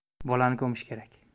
bolani ko'mish kerak